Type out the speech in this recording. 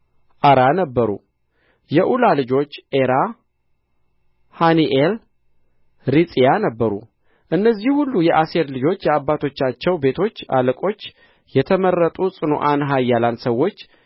አራ ነበሩ የዑላ ልጆች ኤራ ሐኒኤል ሪጽያ ነበሩ እነዚህ ሁሉ የአሴር ልጆች የአባቶቻቸው ቤቶች አለቆች የተመረጡ ጽኑዓን ኃያላን ሰዎች